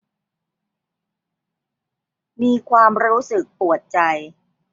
มีความรู้สึกปวดใจ